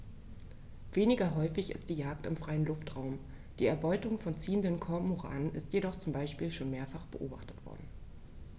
Weniger häufig ist die Jagd im freien Luftraum; die Erbeutung von ziehenden Kormoranen ist jedoch zum Beispiel schon mehrfach beobachtet worden.